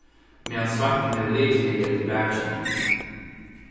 meðan sveittin hevur likið niður eftir bakinum